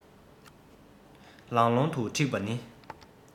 ལང ལོང དུ འཁྲིགས པ ནི